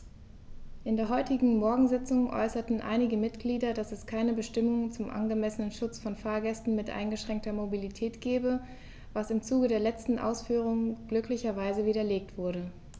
In der heutigen Morgensitzung äußerten einige Mitglieder, dass es keine Bestimmung zum angemessenen Schutz von Fahrgästen mit eingeschränkter Mobilität gebe, was im Zuge der letzten Ausführungen glücklicherweise widerlegt wurde.